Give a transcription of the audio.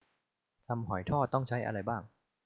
ทำหอยทอดต้องใช้อะไรบ้าง